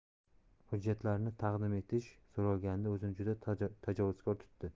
hujjatlarini taqdim etish so'ralganida o'zini juda tajovuzkor tutdi